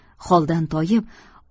holdan toyib